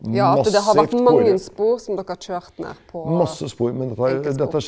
ja at det har vore mange spor som dokker har køyrt ned på enkeltspor.